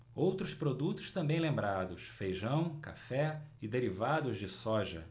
outros produtos também lembrados feijão café e derivados de soja